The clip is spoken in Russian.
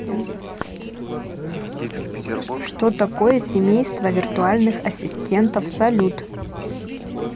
что такое семейство виртуальных ассистентов салют